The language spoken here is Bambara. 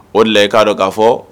O de la i k'a dɔn k'a fɔ